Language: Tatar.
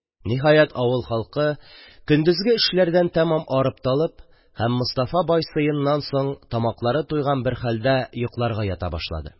Ниһәят, авыл халкы, көндезге эшләрдән тамам арып-талып һәм Мостафа бай сыеннан соң тамаклары туйган бер хәлдә, йокларга ята башлады.